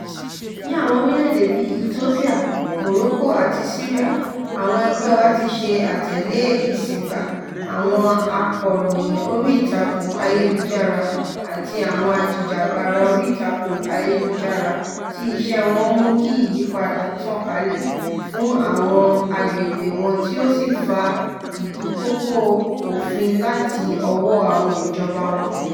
Ní àwọn orílẹ̀ èdè bíi Ethiopia, Morocco àti Syria àwọn ẹgbẹ́ wa ti ṣe atẹ̀lé ìsingbà àwọn akọ̀ròyìn orí ìtàkùn ayélujára àti àwọn ajìjàgbara orí ìtàkùn ayélujára tí iṣẹ́ wọn mú kí ìyípadà tàn kalẹ̀ fún àwọn àgbègbè wọn tí ó sì fa ìdúkokò òfin láti ọwọ́ àwọn ìjọba wọn.